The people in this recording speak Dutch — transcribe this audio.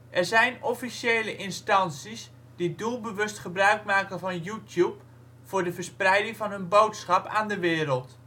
zijn officiële instanties die doelbewust gebruikmaken van YouTube voor de verspreiding van hun boodschap aan de wereld